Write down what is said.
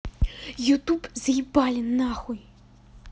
youtube заебали нахуй